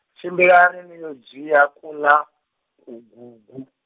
tshimbilani niyo dzhia kuḽa, kugugu.